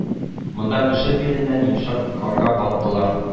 Монда кеше биленнән йомшак карга баттылар